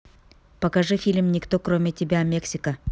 покажите фильм никто кроме тебя мексика